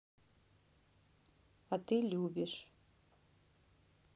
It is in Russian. а ты любишь